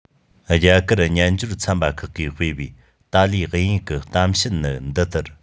རྒྱ གར སྨྱན སྦྱོར ཚན པ ཁག གིས སྤེལ བའི ཏཱ ལའི དབྱིན ཡིག གི གཏམ བཤད ནི འདི ལྟར